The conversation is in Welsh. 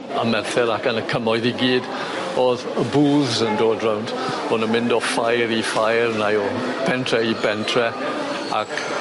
Yn Merthyr ac yn y cymoedd i gyd o'dd y booths yn dod rownd bo' nw'n mynd o ffair i ffair neu o pentre i bentre ac